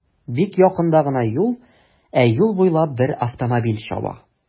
Бик якында гына юл, ә юл буйлап бер автомобиль чаба.